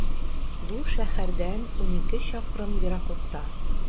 Бу шәһәрдән унике чакрым ераклыкта.